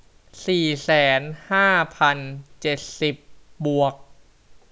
สี่แสนห้าพันเจ็ดสิบบวก